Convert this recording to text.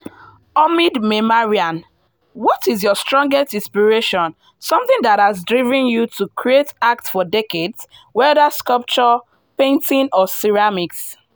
Omid Memarian: What is your strongest inspiration, something that has driven you to create art for decades, whether sculptures, paintings, or ceramics?